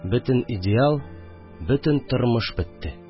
Бөтен идеал, бөтен тормыш бетте